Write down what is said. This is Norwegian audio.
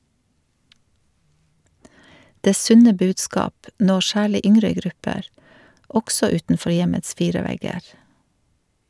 Det sunne budskap når særlig yngre grupper, også utenfor hjemmets fire vegger.